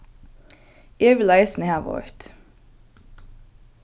eg vil eisini hava eitt